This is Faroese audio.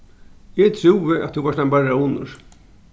eg trúði at tú vart ein barónur